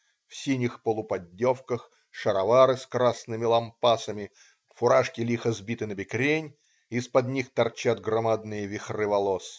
В синих полуподдевках, шаровары с красными лампасами, фуражки лихо сбиты набекрень, из-под них торчат громадные вихры волос.